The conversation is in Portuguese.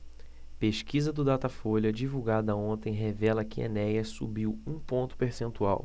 pesquisa do datafolha divulgada ontem revela que enéas subiu um ponto percentual